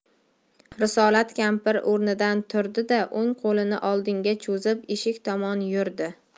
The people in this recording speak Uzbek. risolat kampir o'rnidan turdi da o'ng qo'lini oldinga cho'zib eshik tomon yurdi